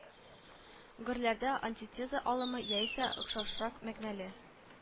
Гырьләрдә антитеза алымы яисә охшашрак мәгънәле